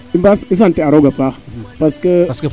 i sant a rooga paax parce que